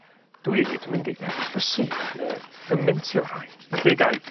dwi yn mynd i eplysu ne' ffymentio rhain felly gai